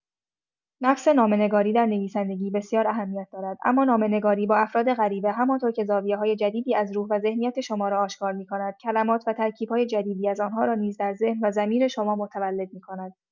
نفس نامه‌نگاری در نویسندگی بسیار اهمیت دارد، اما نامه‌نگاری با افراد غریبه، همانطور که زاویه‌های جدیدی از روح و ذهنیت شما را آشکار می‌کند، کلمات و ترکیب‌های جدیدی از آن‌ها را نیز در ذهن و ضمیر شما متولد می‌کند.